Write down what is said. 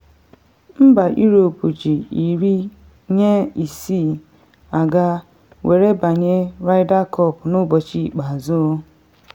Mba Europe ji 10-6 aga, were banye Ryder Cup n’ụbọchị ikpeazụ